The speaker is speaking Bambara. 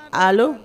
Allo